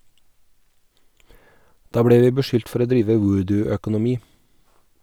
Da ble vi beskyldt for å drive voodooøkonomi.